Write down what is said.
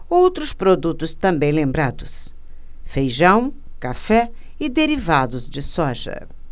outros produtos também lembrados feijão café e derivados de soja